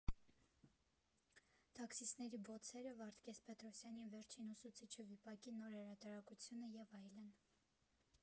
Տաքսիստների բոցերը, Վարդգես Պետրոսյանի «Վերջին ուսուցիչը» վիպակի նոր հրատարակությունը և այլն։